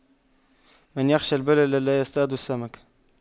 من يخشى البلل لا يصطاد السمك